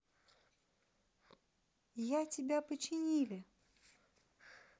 я тебя починили